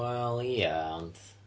Wel, ia, ond...